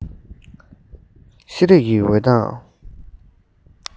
ཤེས རིག གི འོད མདངས